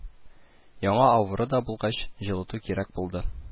Яңа авыру да булгач, җылыту кирәк булды